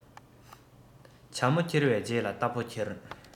བྱ མོ ཁྱེར བའི རྗེས ལ རྟ ཕོ འཁྱེར